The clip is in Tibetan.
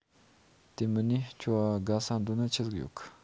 དེ མིན ནས ཁྱོའ དགའ ས འདོད ནི ཆི ཟིག ཡོད གི